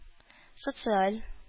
Социаль